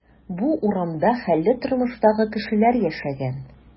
Бу урамда хәлле тормыштагы кешеләр яшәгән.